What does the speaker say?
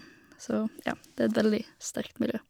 Så, ja, det er et veldig sterkt miljø.